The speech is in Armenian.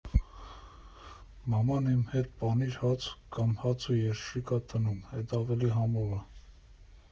Մաման իմ հետ պանիր֊հաց կամ հաց ու երշիկ ա դնում, էդ ավելի համով ա։